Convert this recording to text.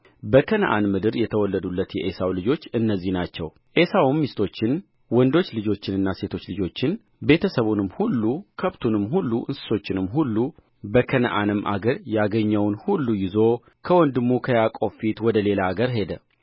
በከነዓን ምድር የተወለዱለት የዔሳው ልጆች እነዚህ ናቸው ዔሳውም ሚስቶቹን ወንዶች ልጆቹንና ሴቶች ልጆቹን ቤተሰቡንም ሁሉ ከብቱንም ሁሉ እንስሶቹንም ሁሉ በከነዓንም አገር ያገኘውን ሁሉ ይዞ ከወንድሙ ከያዕቆብ ፊት ወደ ሌላ አገር ሄደ